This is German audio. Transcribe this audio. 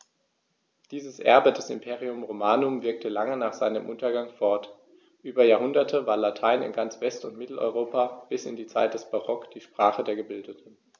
Dieses Erbe des Imperium Romanum wirkte lange nach seinem Untergang fort: Über Jahrhunderte war Latein in ganz West- und Mitteleuropa bis in die Zeit des Barock die Sprache der Gebildeten.